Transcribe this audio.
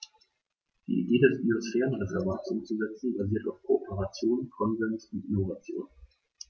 Die Idee des Biosphärenreservates umzusetzen, basiert auf Kooperation, Konsens und Innovation.